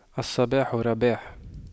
الصباح رباح